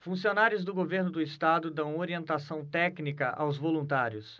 funcionários do governo do estado dão orientação técnica aos voluntários